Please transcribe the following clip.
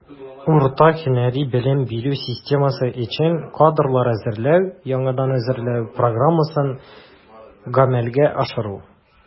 Урта һөнәри белем бирү системасы өчен кадрлар әзерләү (яңадан әзерләү) программасын гамәлгә ашыру.